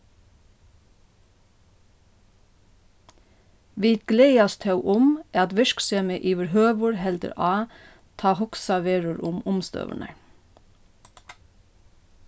vit gleðast tó um at virksemið yvirhøvur heldur á tá hugsað verður um umstøðurnar